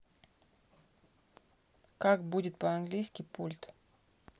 как будет по английски пульт